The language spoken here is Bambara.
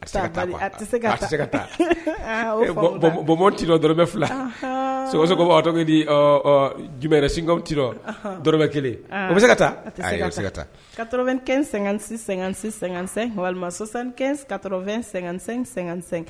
A se se ka taa bɔboɔrɔbɛ fila sokɛso koto di jumɛnɛrɛ sin tirɔɔrɔbɛ kelen o bɛ se ka taa a bɛ se ka taa kaɛn--sɛ-sɛsɛ walimasanɛn-kafɛn----sɛ